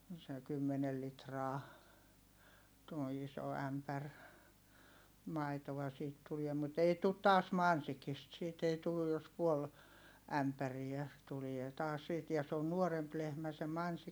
se kymmenen litraa tuo iso ämpäri maitoa siitä tuli mutta ei tule taas Mansikista siitä ei tullut jos puoli ämpäriä tulee taas siitä ja se on nuorempi lehmä se Mansikki